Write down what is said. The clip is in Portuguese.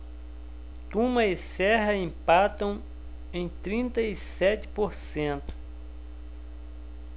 tuma e serra empatam em trinta e sete por cento